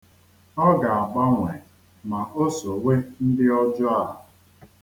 Ọ ga-agbanwe na o sowe ndị ọjọọ a.